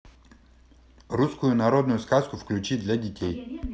русскую народную сказку включи для детей